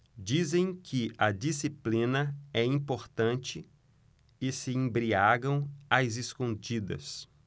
dizem que a disciplina é importante e se embriagam às escondidas